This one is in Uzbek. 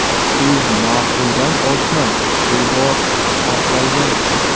so'z ma'quldan oshmas devor sarxoldan